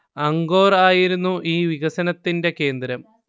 Angkor ആയിരുന്നു ഈ വികസനത്തിന്റെ കേന്ദ്രം